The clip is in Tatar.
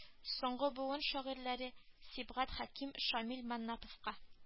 Соңгы буын шагыйрьләре сибгат хәким шамил маннаповка